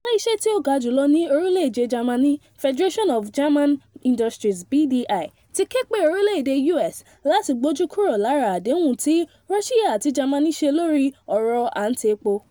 Ilé iṣẹ́ tí ó ga jù lọ ní orílẹ̀èdè Germany, Federation of German Industries (BDI) ti képe orílẹ̀èdè US láti gbójú kúrò lára adehun tí Russia àti Germany ṣe lórí ọ̀rọ̀ à ń ta epo.